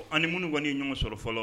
An ni minnu kɔni ye ɲɔgɔn sɔrɔ fɔlɔ